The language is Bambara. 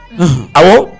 Unhun aw